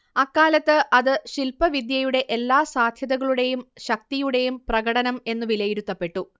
അക്കാലത്ത് അത് ശില്പവിദ്യയുടെ എല്ലാ സാധ്യതകളുടേയും ശക്തിയുടേയും പ്രകടനം എന്ന് വിലയിരുത്തപ്പെട്ടു